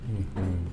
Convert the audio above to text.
Un